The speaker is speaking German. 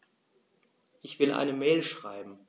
Ich will eine Mail schreiben.